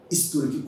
I soin